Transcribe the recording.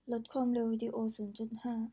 ลดความเร็ววีดีโอศูนย์จุดห้า